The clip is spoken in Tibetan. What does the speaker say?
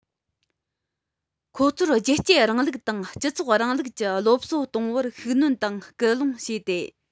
ཁོ ཚོར རྒྱལ གཅེས རིང ལུགས དང སྤྱི ཚོགས རིང ལུགས ཀྱི སློབ གསོ གཏོང བར ཤུགས སྣོན དང སྐུལ སློང བྱས ཏེ